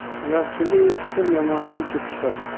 yaxshiga yetishtir yomondan ketishtir